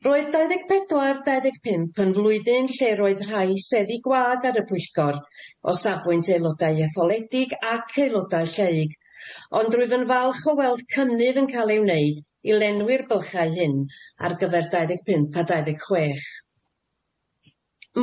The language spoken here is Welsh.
Roedd dau ddeg pedwar dau ddeg pump yn flwyddyn lle roedd rhai seddi gwag ar y pwyllgor o safbwynt eulodau etholeidig ac eulodau lleug, ond rwyf yn falch o weld cynnydd yn cael ei wneud i lenwi'r bylchau hyn ar gyfer dau ddeg pump a dau ddeg chwech.